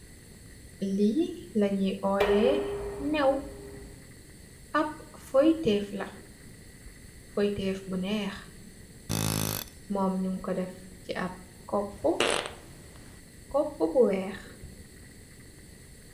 Li lang nyoi owee amb new amb foytef la foytef bou nekh noung ko def ci cuppou bou weck